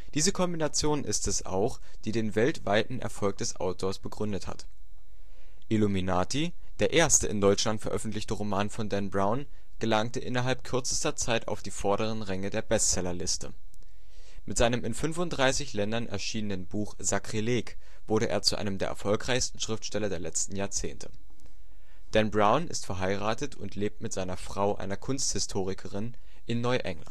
Diese Kombination ist es auch, die den weltweiten Erfolg des Autors begründet hat. Illuminati, der erste in Deutschland veröffentlichte Roman von Dan Brown, gelangte innerhalb kürzester Zeit auf die vorderen Ränge der Bestsellerliste. Mit seinem in 35 Ländern erschienenen Buch Sakrileg wurde er zu einem der erfolgreichsten Schriftsteller der letzten Jahrzehnte. Dan Brown ist verheiratet und lebt mit seiner Frau, einer Kunsthistorikerin, in Neuengland